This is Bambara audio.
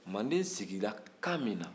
mandeb sigira kan min na